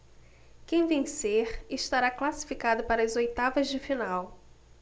quem vencer estará classificado para as oitavas de final